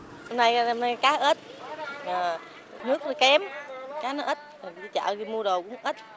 năm nay năm nay cá ít ờ nước nó kém cá nó ít đi chợ mua đồ cũng ít